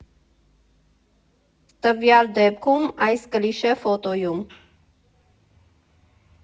Տվյալ դեպքում այս կլիշե֊ֆոտոյում։